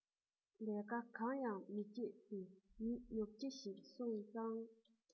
ལས ཀ གང ཡང མི སྒྱིད པའི མི ཉོབ སྒྱེ ཞིག སོང ཙང